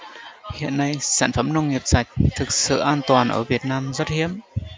hiện nay sản phẩm nông nghiệp sạch thực sự an toàn ở việt nam rất hiếm